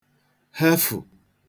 hefụ̀